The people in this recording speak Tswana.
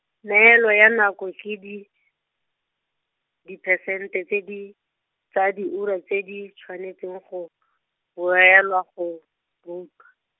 Neelo ya nako ke di, diphesente tse di, tsa diura tse di tshwanetseng go, beelwa go ruta.